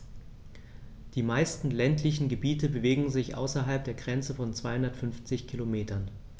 Die meisten ländlichen Gebiete bewegen sich außerhalb der Grenze von 250 Kilometern.